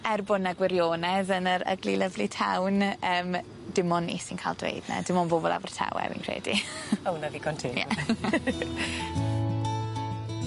Er bo' 'ny gwirionedd yn yr ugly lovely town yym dim on' ni sy'n ca'l dweud 'ny dim on' bobol Abertawe fi'n credu. Ma' wnna ddigon teg . Ie.